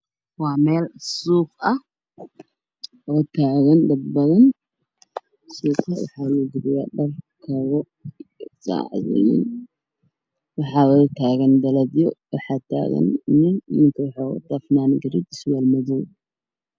Waa meel suuq ah oo taagan dad badan suuqa waxaa lagu gadayaa dhar kabo saacado iyo caawada taagan baladyo waxaa taagan nin ninka wuxuu qabaan garan iyo surwaal madoow